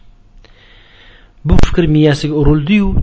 bu fikr miyasiga urildi yu